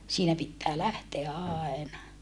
siinä pitää lähteä aina